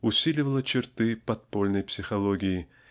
усиливала черты "подпольной" психологии